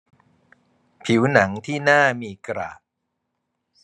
ผัวหนังที่หน้ามีกระ